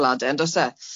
O ie.